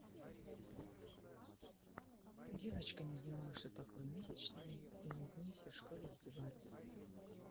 девочка не знала что такое месячные и на дне все в школе издевались